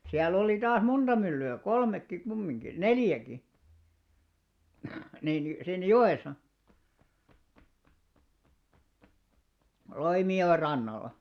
siellä oli taas monta myllyä kolmekin kumminkin neljäkin niin niin siinä joessa Loimijoen rannalla